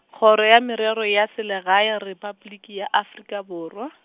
Kgoro ya Merero ya Selegae Repabliki ya Afrika Borwa.